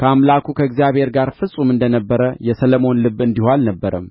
ከአምላኩ ከእግዚአብሔር ጋር ፍጹም እንደ ነበረ የሰሎሞን ልቡ እንዲሁ አልነበረም